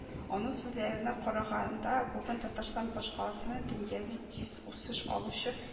Аның сүзләренә караганда, бүген Татарстан башкаласын дөньяви тиз үсеш алучы